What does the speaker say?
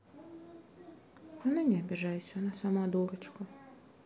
она не обижайся она сама дурочка